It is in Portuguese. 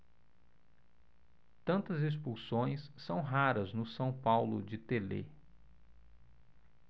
tantas expulsões são raras no são paulo de telê